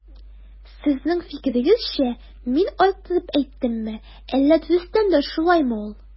Сезнең фикерегезчә мин арттырып әйтәмме, әллә дөрестән дә шулаймы ул?